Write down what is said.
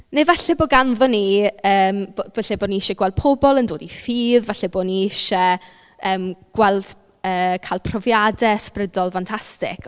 Neu falle bo' ganddo ni yym bo- bo- lle bo' ni isie gweld pobl yn dod i ffydd. Falle bo' ni isie yym gweld yy cael profiadau ysbrydol fantastic.